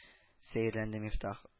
Сәерләнде мифтах